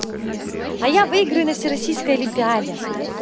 а я выиграю на всероссийской олимпиаде